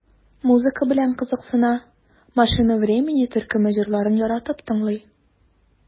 Музыка белән кызыксына, "Машина времени" төркеме җырларын яратып тыңлый.